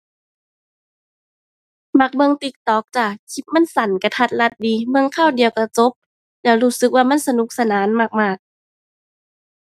มักเบิ่ง TikTok จ้า คลิปมันสั้นกะทัดรัดดี เบิ่งคราวเดียวก็จบ แล้วรู้สึกว่ามันสนุกสนานมากมาก